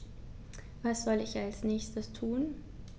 Was soll ich als Nächstes tun?